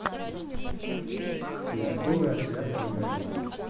поисковый отряд гагарина